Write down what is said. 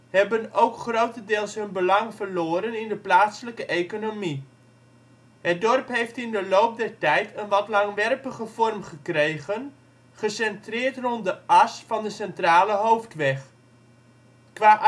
hebben ook grotendeels hun belang verloren in de plaatselijke economie. Het dorp heeft in de loop der tijd een wat langwerpige vorm gekregen, gecentreerd rond de as van de centrale hoofdweg. Qua